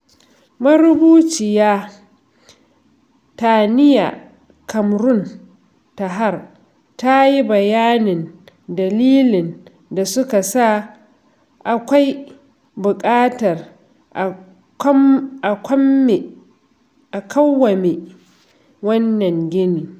Marubuciya Tania Kamrun Nahar ta yi bayanin dalilan da suka sa akwai buƙatar a kawwame wannan ginin: